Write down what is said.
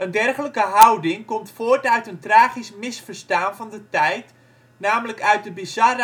dergelijke houding komt voort uit een tragisch misverstaan van de tijd, namelijk uit de bizar rationele